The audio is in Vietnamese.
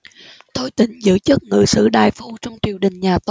thôi tĩnh giữ chức ngự sử đại phu trong triều đình nhà